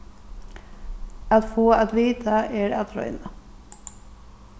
at fáa at vita er at royna